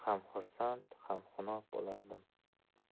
ham xunob bo'lardim